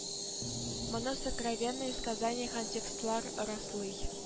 Моны сокровенное сказание һәм текстлар раслый